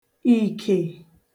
ìkè